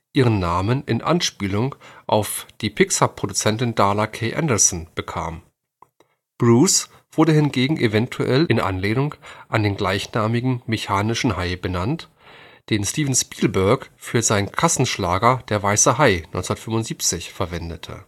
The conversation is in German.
ihren Namen in Anspielung auf die Pixarproduzentin Darla K. Anderson bekam. Bruce wurde hingegen eventuell in Anlehnung an den gleichnamigen mechanischen Hai benannt, den Steven Spielberg für seinen Kassenschlager Der weiße Hai (1975) verwendete